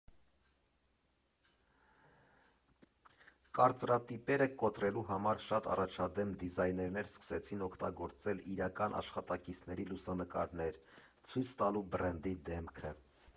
Կարծրատիպերը կոտրելու համար շատ առաջադեմ դիզայներներ սկսեցին օգտագործել իրական աշխատակիցների լուսանկարներ՝ ցույց տալու բրենդի դեմքը։